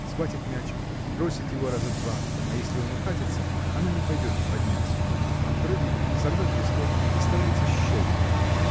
Схватит мячик, бросит его раза два, а если он укатился, она не пойдет поднять его, а прыгнет, сорвет листок и старается щелкнуть.